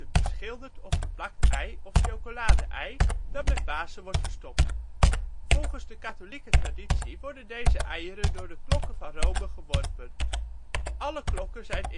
beschilderd of beplakt ei of chocolade ei, dat met Pasen wordt verstopt. Volgens de katholieke traditie worden deze eieren door de klokken van Rome geworpen. Alle klokken zijn